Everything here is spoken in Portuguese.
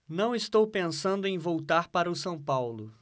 não estou pensando em voltar para o são paulo